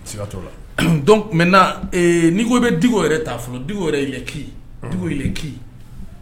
Siga t'o donc maintenant ee n'i ko i be Dcko yɛrɛ ta fɔlɔ Dicko yɛrɛ il est qui unhun Dicko il est qui